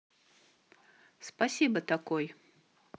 спасибо такой